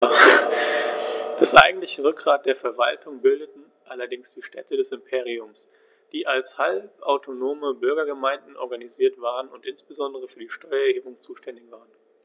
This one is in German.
Das eigentliche Rückgrat der Verwaltung bildeten allerdings die Städte des Imperiums, die als halbautonome Bürgergemeinden organisiert waren und insbesondere für die Steuererhebung zuständig waren.